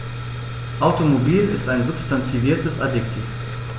Automobil ist ein substantiviertes Adjektiv.